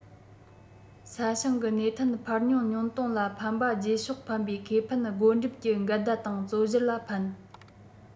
ས ཞིང གི གནས ཐང འཕར སྣོན ཉུང གཏོང ལ ཕན པ རྗེས ཕྱོགས ཕན པའི ཁེ ཕན བགོ འགྲེམས ཀྱི འགལ ཟླ དང རྩོད གཞིར ལ ཕན